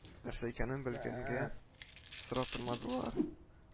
Нәрсә икәнен белгәнгә сорап тормадылар